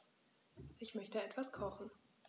Ich möchte etwas kochen.